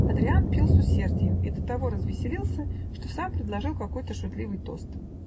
Адриян пил с усердием и до того развеселился, что сам предложил какой-то шутливый тост.